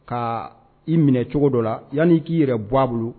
Ka i minɛ cogo dɔ la yan k'i yɛrɛ bɔ a bolo